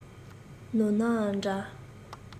ནོར ནའང འདྲ